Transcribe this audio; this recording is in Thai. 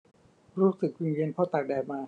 รู้สึกวิงเวียนเพราะตากแดดมา